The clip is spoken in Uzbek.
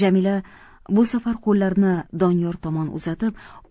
jamila bu safar qo'llarini doniyor tomon uzatib